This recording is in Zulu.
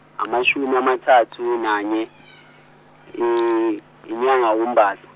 amashumi amathathu nanye , inyanga uMbasa.